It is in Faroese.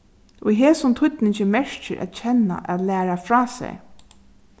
í hesum týdningi merkir at kenna at læra frá sær